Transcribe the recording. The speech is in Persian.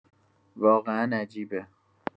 واقعا عجیبه!